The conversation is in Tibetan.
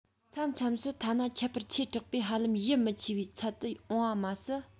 མཚམས མཚམས སུ ཐ ན ཁྱད པར ཆེ དྲགས པས ཧ ལམ ཡིད མི ཆེས པའི ཚད དུ འོངས པ མ ཟད